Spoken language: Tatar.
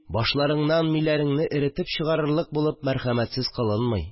Башларыңнан миләреңне эретеп чыгарырлык булып мәрхәмәтсез кылынмый